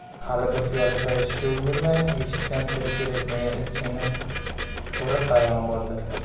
hali bir piyola choy ichishga ulgurmay eshikdan kirib kelayotgan elchinni ko'rib hayron bo'ldi